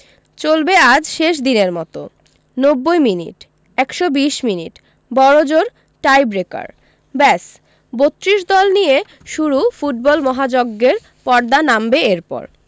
চলবে আজ শেষ দিনের মতো ৯০ মিনিট ১২০ মিনিট বড়জোর টাইব্রেকার ব্যস ৩২ দল নিয়ে শুরু ফুটবল মহাযজ্ঞের পর্দা নামবে এরপর